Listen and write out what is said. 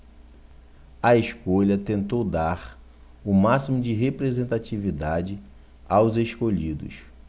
a escolha tentou dar o máximo de representatividade aos escolhidos